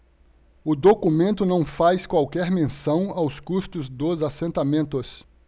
o documento não faz qualquer menção aos custos dos assentamentos